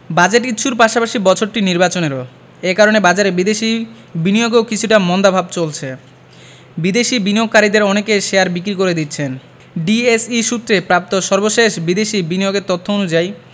budget ইস্যুর পাশাপাশি বছরটি নির্বাচনেরও এ কারণে বাজারে বিদেশি বিনিয়োগেও কিছুটা মন্দাভাব চলছে বিদেশি বিনিয়োগকারীদের অনেকে শেয়ার বিক্রি করে দিচ্ছেন ডিএসই সূত্রে প্রাপ্ত সর্বশেষ বিদেশি বিনিয়োগের তথ্য অনুযায়ী